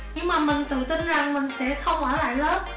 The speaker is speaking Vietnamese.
nhưng mà mình tự tin rằng mình sẽ không ở lại lớp